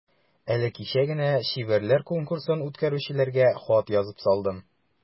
Әле кичә генә чибәрләр конкурсын үткәрүчеләргә хат язып салдым.